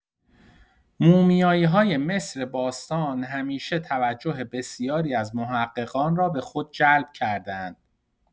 مومیایی‌های مصر باستان همیشه توجه بسیاری از محققان را به خود جلب کرده‌اند.